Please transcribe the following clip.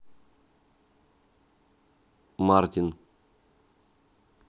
мартин